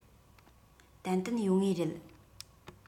ཏན ཏན ཡོང ངེས རེད